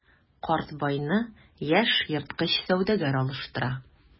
Карт байны яшь ерткыч сәүдәгәр алыштыра.